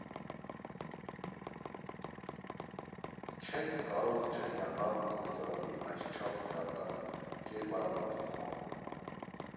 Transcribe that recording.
Չենք կարող չհիանալ գործարանի այսչափ դրական կերպարանափոխմամբ։